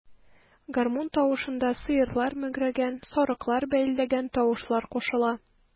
Гармун тавышына сыерлар мөгрәгән, сарыклар бәэлдәгән тавышлар кушыла.